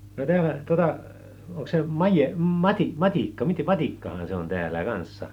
no täällä tuota onkos se made - matikka miten matikkahan se on täällä kanssa